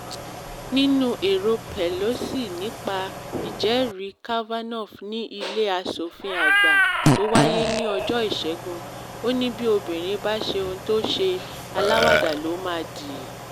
Nínú èrò Pelosi nípa ìjẹ́rìí Kavanaugh ní Ilé Aṣòfin Àgbà tó wáyé ní ọjọ Ìṣẹ́gun, ó ní “Bí obìnrin bá ṣe ohun tó ṣe, ‘aláwàdà’ ló máa dì.”